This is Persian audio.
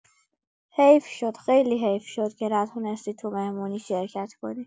حیف شد، خیلی حیف شد که نتونستی تو مهمونی شرکت کنی.